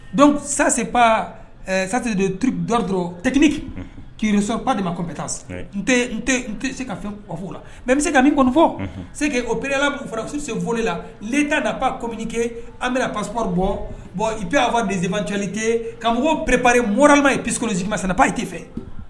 Don sase pa sati de dɔrɔn tɛini k kiiriso pa de ma ko bɛ taa se ka fɛn la mɛ bɛ se ka min kɔnifɔ se o perela' fara su senoli la leta na pa com kɛ an bɛna papri bɔ bɔn i bɛ'a fɔ denbancli kɛ ka mɔgɔw p-pri mma ye pksi mas paye tɛ fɛ